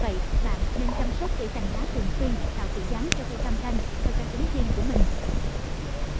vì vậy bạn nên chăm sóc tỉa cành lá thường xuyên tạo kiểu dáng cho cây cam canh theo cá tính riêng của mình